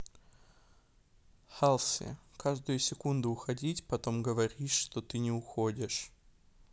healthy каждую секунду уходить потом говоришь что ты не уходишь